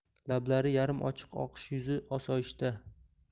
lablari yarim ochiq oqish yuzi osoyishta